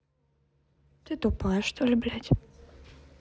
ты тупая что ли блядь